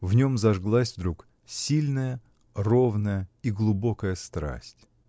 В нем зажглась вдруг сильная, ровная и глубокая страсть.